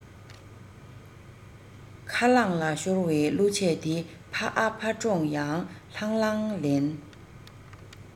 ཁ ལངས ལ ཤོར བའི གླུ ཆུང དེ ཕ ཨ ཕ གྲོངས ཡང ལྷང ལྷང ལེན